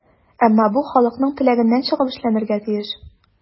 Әмма бу халыкның теләгеннән чыгып эшләнергә тиеш.